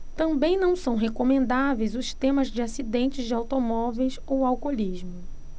também não são recomendáveis os temas de acidentes de automóveis ou alcoolismo